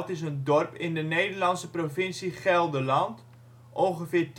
is een dorp in de Nederlandse provincie Gelderland, ongeveer